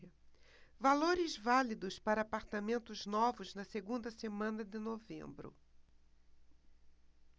valores válidos para apartamentos novos na segunda semana de novembro